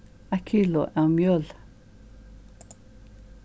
eitt kilo av mjøli